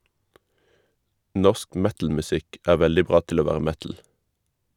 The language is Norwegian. Norsk metalmusikk er veldig bra til å være metal.